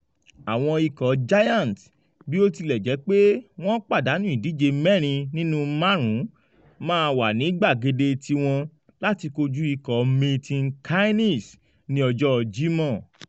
Àwọn ikọ̀ Giants, bí ó tilẹ̀ jẹ́ pé wọ́n pàdánù ìdíje mẹ́rin nínú márùn-ún, máa wà ní gbàgéde ti wọn láti kojú ikọ̀ Milton Keynes ní ọjọ́ Jímọ̀.